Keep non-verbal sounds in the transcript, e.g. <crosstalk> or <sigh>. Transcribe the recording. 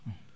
<hesitation> <hesitation>